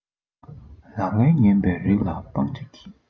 ལག ལེན ངན པའི རིགས ལ སྤང བྱ གྱིས